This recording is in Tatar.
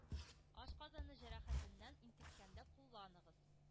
Ашказаны җәрәхәтеннән интеккәндә кулланыгыз.